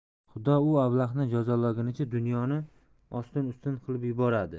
xudo u ablahni jazolagunicha dunyoni ostin ustin qilib yuboradi